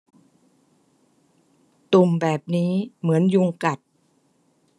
ตุ่มแบบนี้เหมือนยุงกัด